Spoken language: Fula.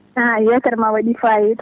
a yewtere ma wa?ii fayida